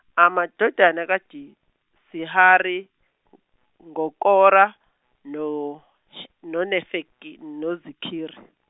amadodana kaJisihari, ngoKora, no- noNefegi, noZikiri.